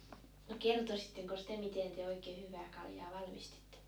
no kertoisitteko te miten te oikein hyvää kaljaa valmistitte